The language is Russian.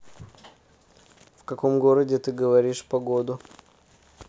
в каком городе ты говоришь погоду